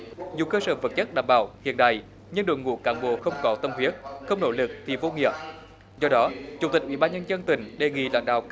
dù cơ sở vật chất đảm bảo hiện đại nhưng đội ngũ cán bộ không có tâm huyết không nỗ lực thì vô nghĩa do đó chủ tịch ủy ban nhân dân tỉnh đề nghị lãnh đạo các